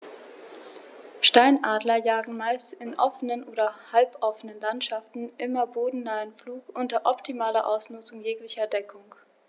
Steinadler jagen meist in offenen oder halboffenen Landschaften im bodennahen Flug unter optimaler Ausnutzung jeglicher Deckung.